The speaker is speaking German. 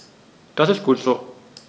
Das ist gut so.